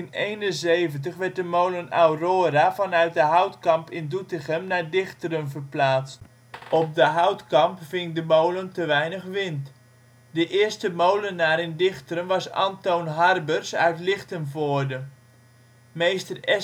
In 1871 werd de molen Aurora vanuit De Houtkamp in Doetinchem naar Dichteren verplaatst. Op De Houtkamp ving de molen te weinig wind. De eerste molenaar in Dichteren was Antoon Harbers uit Lichtenvoorde. ' Meester ' S.H. Lovink Hz (1864-1948